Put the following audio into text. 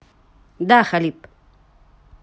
да халиб